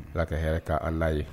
Bila ka hɛrɛ ka a la ye